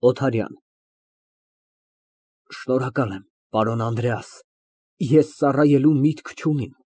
ՕԹԱՐՅԱՆ ֊ Շնորհակալ եմ, պարոն Անդրեաս, ես ծառայելու միտք չունիմ։